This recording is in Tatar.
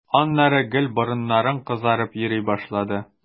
Аннары гел борыннарың кызарып йөри башлады.